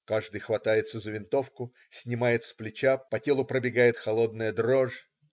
Каждый хватается за винтовку, снимает с плеча, по телу пробегает холодная дрожь.